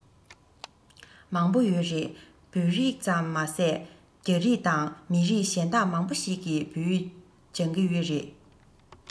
མང པོ ཡོད རེད བོད རིགས ཙམ མ ཟད རྒྱ རིགས དང མི རིགས གཞན དག མང པོ ཞིག གིས བོད ཡིག སྦྱང གི ཡོད རེད